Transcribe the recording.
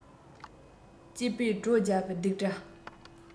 སྐྱིད པོའི བྲོ རྒྱག པའི རྡིག སྒྲ